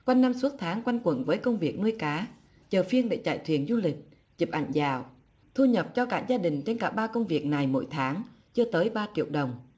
quanh năm suốt tháng quanh quẩn với công việc nuôi cá chờ phiên để chạy thuyền du lịch chụp ảnh dạo thu nhập cho cả gia đình trên cả ba công việc này mỗi tháng chưa tới ba triệu đồng